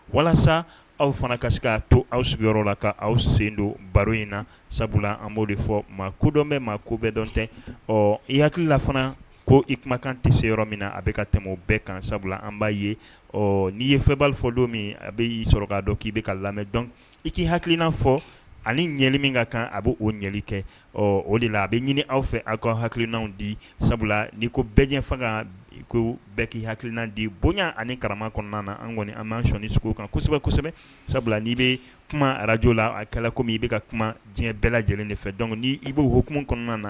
Walasa aw fana ka se k'a to aw sigiyɔrɔ la ka aw sen don baro in na sabula an b'o de fɔ ma kodɔn bɛ maa ko bɛɛ dɔn tɛ ɔ i hakilila fana ko i kumakan tɛ se yɔrɔ min a bɛka ka tɛmɛ bɛɛ kan sabula an b'a ye ɔ n'i ye fɛ bali fɔ don min a bɛ y'i sɔrɔ k'a dɔn k'i bɛ ka lamɛn dɔn i k'i hakilikiina fɔ ani ɲɛli min ka kan a b' o ɲali kɛ ɔ o de la a bɛ ɲini aw fɛ aw ka hakilikiinaanw di sabula nii ko bɛɛ ɲɛ fanga ko bɛɛ k'i hakilinaan di bonya ani kara kɔnɔna na an kɔni an' sɔnni sogo kan kosɛbɛ kosɛbɛ sabula n'i bɛ kuma arajo la a kɛlɛ min i bɛka ka kuma diɲɛ bɛɛ lajɛlen de fɛ dɔn i b'u hukumu kɔnɔna na